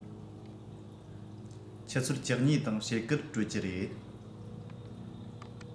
ཆུ ཚོད བཅུ གཉིས དང ཕྱེད ཀར གྲོལ གྱི རེད